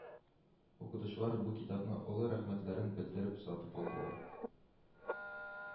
Укытучылар бу китапны олы рәхмәтләрен белдереп сатып алдылар